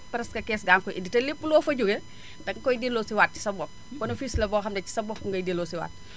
presque kees gaa ngi ko indi te lépp loo fa jógee danga koy delloosiwaat si sa bor bénéfice la boo xam ne ci sa bopp ngay delloosiwaat